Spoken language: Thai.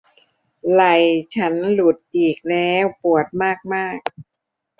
ไหล่ฉันหลุดอีกแล้วปวดมากมาก